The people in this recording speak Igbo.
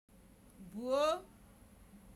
bù ibù